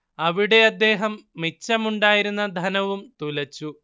അവിടെ അദ്ദേഹം മിച്ചമുണ്ടായിരുന്ന ധനവും തുലച്ചു